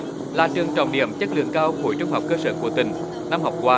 là trường trọng điểm chất lượng cao của trung học cơ sở của tỉnh năm học qua